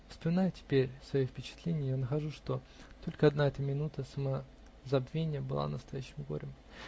Вспоминая теперь свои впечатления, я нахожу, что только одна эта минута самозабвения была настоящим горем.